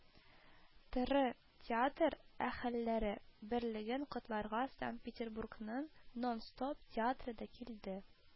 ТР театр әһелләре берлеген котларга Санкт-Петербургның “Нон-Стоп” театры да килде